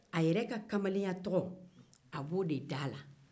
a yɛrɛ ka kamalenya tɔgɔ a bɛ o de da a la